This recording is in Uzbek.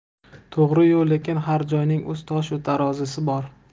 to'g'ri yu lekin har joyning o'z toshu tarozisi bor